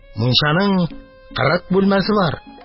Мунчаның кырык бүлмәсе бар.